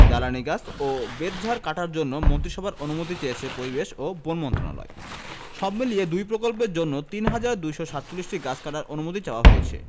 জ্বালানি গাছ ও বেতঝাড় কাটার জন্য মন্ত্রিসভার অনুমতি চেয়েছে পরিবেশ ও বন মন্ত্রণালয় সবমিলিয়ে দুই প্রকল্পের জন্য ৩হাজার ২৪৭টি গাছ কাটার অনুমতি চাওয়া হয়েছে